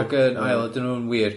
Ag yn ail ydyn n'w'n wir? Nadyn.